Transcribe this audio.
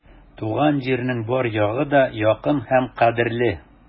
Туган җирнең бар ягы да якын һәм кадерле.